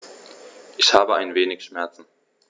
Ich habe ein wenig Schmerzen.